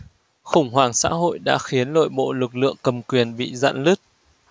khủng hoảng xã hội đã khiến nội bộ lực lượng cầm quyền bị rạn nứt